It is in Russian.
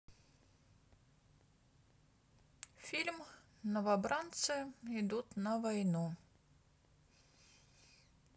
фильм новобранцы идут на войну